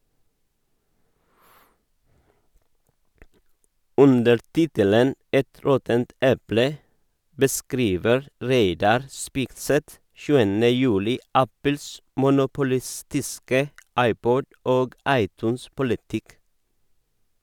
Under tittelen «Et råttent eple» beskriver Reidar Spigseth 7. juli Apples monopolistiske iPod- og iTunes-politikk.